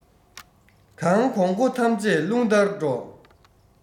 གང གོང གོ ཐམས ཅད རླུང ལྟར སྒྲོག